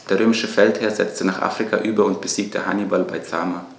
Der römische Feldherr setzte nach Afrika über und besiegte Hannibal bei Zama.